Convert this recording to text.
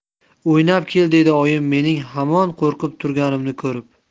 o'ynab kel dedi oyim mening hamon qo'rqib turganimni ko'rib